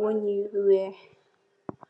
wënn yu weeh.